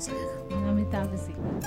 Bɛ taa an bɛ sigi